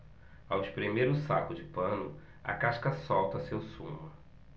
ao espremer o saco de pano a casca solta seu sumo